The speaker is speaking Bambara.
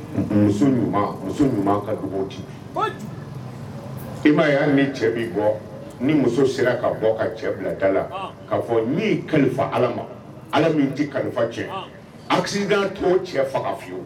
Ɲuman ka dugu di i' y'a min cɛ bi bɔ ni muso sera ka bɔ ka cɛ bila da la kaa fɔ ni kalifa ala ma ala min tɛ kalifa cɛ a t o cɛ fanga fiye